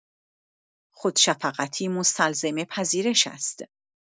خودشفقتی مستلزم پذیرش است.